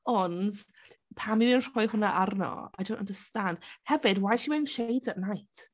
Ond pam yw e'n rhoi hwnna arno? I don't understand. Hefyd why is she wearing shades at night?